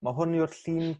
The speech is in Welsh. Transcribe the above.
ma' hwn yw'r llun